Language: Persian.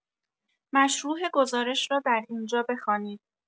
مشروح گزارش را در اینجا بخوانید